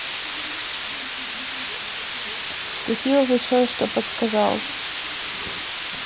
спасибо большое что подсказал